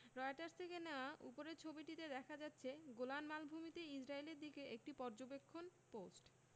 Reuters থেকে নেয়া উপরের ছবিটিতে দেখা যাচ্ছে গোলান মালভূমিতে ইসরায়েলের দিকের একটি পর্যবেক্ষণ পোস্ট